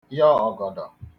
yọ ọgọdọ